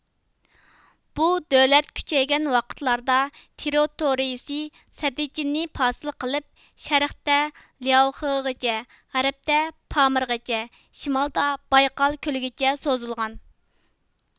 بۇ دۆلەت كۈچەيگەن ۋاقىتلاردا تېررىتورىيىسى سەددىچىننى پاسىل قىلىپ شەرقتە لياۋخېغىچە غەربتە پامىرغىچە شىمالدا بايقال كۆلىگىچە سوزۇلغان